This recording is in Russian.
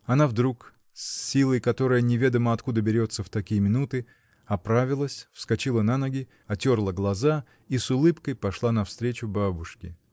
Она вдруг, с силой, которая неведомо откуда берется в такие минуты, оправилась, вскочила на ноги, отерла глаза и с улыбкой пошла навстречу бабушке.